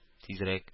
Тизрәк